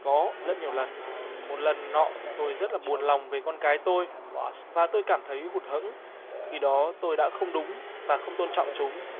có rất nhiều lần một lần nọ tôi rất là buồn lòng vì con cái tôi và tôi cảm thấy hụt hẫng khi đó tôi đã không đúng và không tôn trọng chúng